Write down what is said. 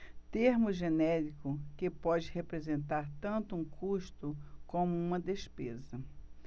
termo genérico que pode representar tanto um custo como uma despesa